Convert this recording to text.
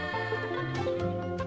Sanunɛ yo